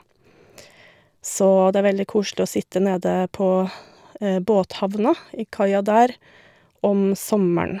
Så det er veldig koselig å sitte nede på båthavna, i kaia der, om sommeren.